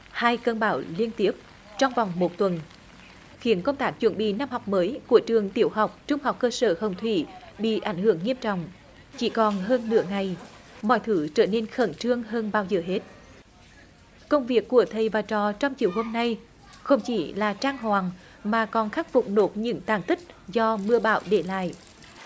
hai cơn bão liên tiếp trong vòng một tuần khiến công tác chuẩn bị năm học mới của trường tiểu học trung học cơ sở hồng thủy bị ảnh hưởng nghiêm trọng chỉ còn hơn nửa ngày mọi thứ trở nên khẩn trương hơn bao giờ hết công việc của thầy và trò trong chiều hôm nay không chỉ là trang hoàng mà còn khắc phục được những tàn tích do mưa bão để lại